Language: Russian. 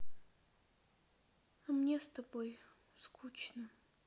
а мне с тобой скучно